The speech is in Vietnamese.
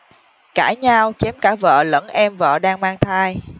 cãi nhau chém cả vợ lẫn em vợ đang mang thai